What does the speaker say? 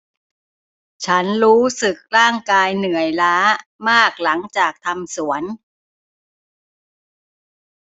ฉันรู้สึกร่างกายเหนื่อยล้ามากหลังจากทำสวน